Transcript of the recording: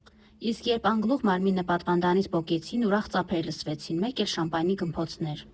Իսկ երբ անգլուխ մարմինը պատվանդանից պոկեցին, ուրախ ծափեր լսվեցին, մեկ էլ՝ շամպայնի գմփոցներ։